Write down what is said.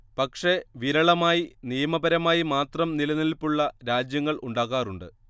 പക്ഷേ വിരളമായി നിയമപരമായി മാത്രം നിലനിൽപ്പുള്ള രാജ്യങ്ങൾ ഉണ്ടാകാറുണ്ട്